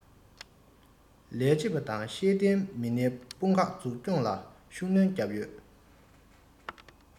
ལས བྱེད པ དང ཤེས ལྡན མི སྣའི དཔུང ཁག འཛུགས སྐྱོང ལ ཤུགས སྣོན བརྒྱབ ཡོད